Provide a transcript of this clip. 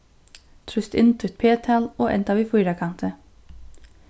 trýst inn títt p-tal og enda við fýrakanti